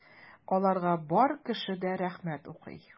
Аларга бар кеше дә рәхмәт укый.